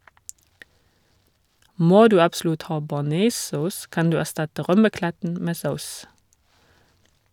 Må du absolutt ha bearnéssaus, kan du erstatte rømmeklatten med saus.